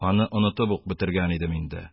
Аны онытып ук бетергән идем инде.